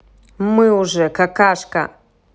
мы уже какашка